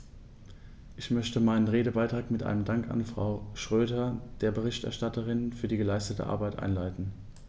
Ich möchte meinen Redebeitrag mit einem Dank an Frau Schroedter, der Berichterstatterin, für die geleistete Arbeit einleiten.